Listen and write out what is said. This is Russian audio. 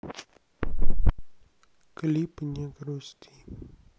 клип не грусти